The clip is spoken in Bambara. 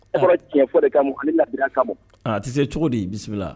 Kɔrɔ de a tɛ se cogo di i bisimila